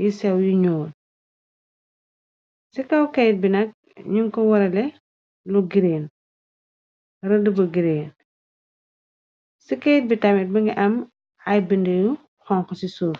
yi sew yu ñool ci kaw keyt bi nag ñuñ ko warale lu gireen rëdd bu gireen ci kayt bi tamit bi ngi am ay binde yu xonx ci suuf.